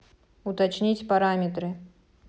уточнить параметры